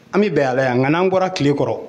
An bɛ bɛn ala ye an ŋan bɔra tile kɔrɔ